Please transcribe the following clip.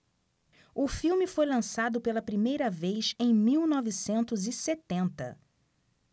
o filme foi lançado pela primeira vez em mil novecentos e setenta